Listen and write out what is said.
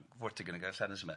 Vortigern yn gadal llanast yma.